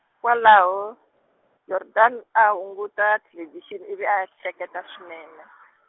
kwalaho, Jordaan a hunguta thelevhixini ivi a ehleketa swinene.